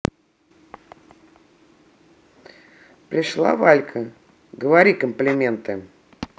пришла валька говори комплимент